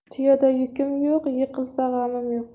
tuyada yukim yo'q yiqilsa g'amim yo'q